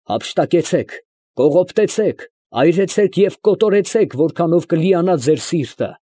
Հափշտակեցե՛ք, կողոպտեցե՛ք, այրեցե՛ք և կոտորեցե՛ք, որքանով կլիանա ձեր սիրտը։